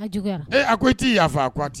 Ko e t'i yafa tɛ